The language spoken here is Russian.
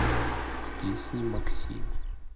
песни максим